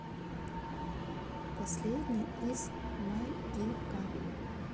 последний из магикан